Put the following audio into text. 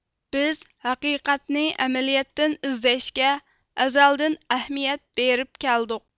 بىز ھەقىقەتنى ئەمەلىيەتتىن ئىزدەشكە ئەزەلدىن ئەھمىيەت بېرىپ كەلدۇق